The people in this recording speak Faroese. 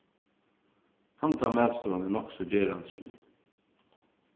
handan matstovan er nokk so gerandislig